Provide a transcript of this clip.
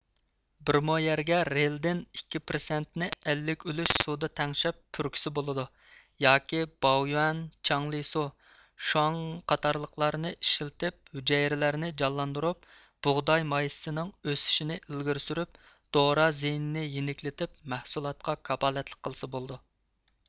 بىر مو يەرگە رېلدىن ئىككى پىرسەنتنى ئەللىك ئۈلۈش سۇدا تەڭشەپ پۈركۈسە بولىدۇ ياكى باۋيۈەن چياڭلىسۇ شۇاڭ قاتارلىقلارنى ئىشلىتىپ ھۈجەيرىلەرنى جانلاندۇرۇپ بۇغداي مايسىسىنىڭ ئۆسۈشىنى ئىلگىرى سۈرۈپ دورا زىيىنىنى يېنىكلىتىپ مەھسۇلاتقا كاپالەتلىك قىلسا بولىدۇ